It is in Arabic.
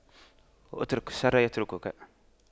اترك الشر يتركك